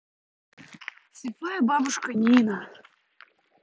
слепая бабушка нина